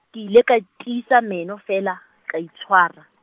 ke ile ka tiisa meno feela, ka itshwara.